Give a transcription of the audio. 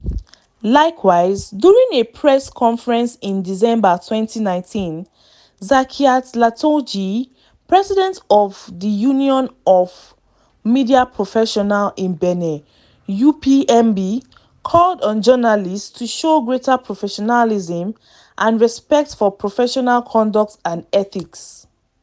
Likewise, during a press conference in December 2019, Zakiath Latondji , president of the Union of Media Professionals of Benin (UPMB), called on journalists to show greater professionalism and respect for professional conduct and ethics.